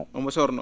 ngun sornoo